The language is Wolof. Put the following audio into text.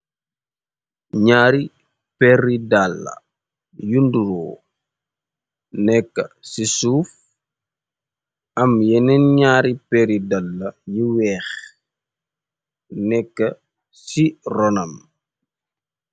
Naari peri dalla yu nduroo nekk ci suuf, am yeneen ñaari pery dalla yi weex nekk ci ronam.